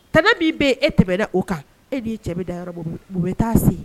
Tɛmɛ min bɛ e tɛmɛ da o kan e b'i cɛ da yɔrɔ bolo o bɛ taa se